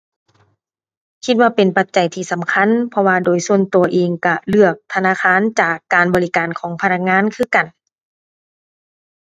คิดว่าเป็นปัจจัยที่สำคัญ เพราะว่าโดยส่วนตัวเองตัวเลือกธนาคารจากการบริการของพนักงานคือกัน